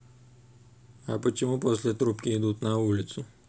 а почему после трубки идут на улицу